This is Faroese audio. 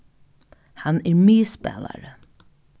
hann er miðspælari